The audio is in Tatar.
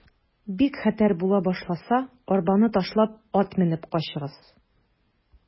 Бик хәтәр була башласа, арбаны ташлап, ат менеп качыгыз.